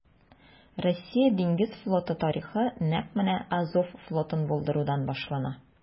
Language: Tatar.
Россия диңгез флоты тарихы нәкъ менә Азов флотын булдырудан башлана.